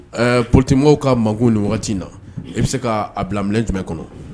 Ɛɛ potemɔgɔw ka mang ni wagati in na i bɛ se ka'a bila jumɛn kɔnɔ